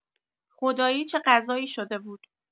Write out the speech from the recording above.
خدایی چه غذایی شده بود.